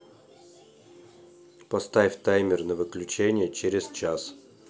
поставь таймер на выключение через час